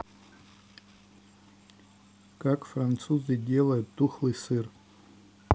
как французы делают тухлый сыр